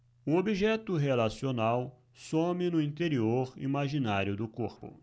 o objeto relacional some no interior imaginário do corpo